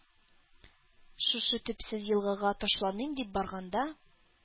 Шушы төпсез елгага ташланыйм дип барганда,